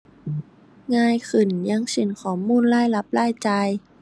ง่ายขึ้นอย่างเช่น ข้อมูลรายรับรายจ่าย